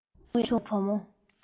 འཚར ལོངས བྱུང བའི བུ མོ